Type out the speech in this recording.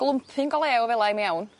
glwmpyn go lew fel 'a i mewn